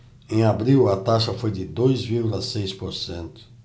em abril a taxa foi de dois vírgula seis por cento